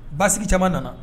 Baasi caman nana